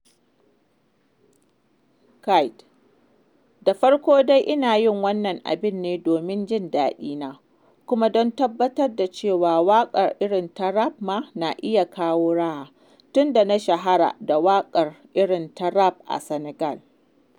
Keyti: Da farko dai ina yin wannan abin ne domin jin daɗina kuma don tabbatar da cewa waƙa irin ta rap ma na iya kawo raha, tunda na shahara da waƙar irin ta rap a Senegal.